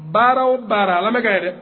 Baaraw baara a lamɛ ka ɲɛ dɛ